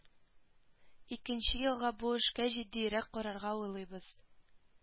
Икенче елга бу эшкә җитдиерәк карарга уйлыйбыз